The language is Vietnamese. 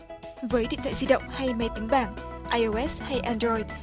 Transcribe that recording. với điện thoại di động hay máy tính bảng ai ô ét hay an đờ roi